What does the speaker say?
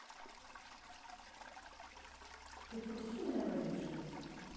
ты будешь меня поддерживать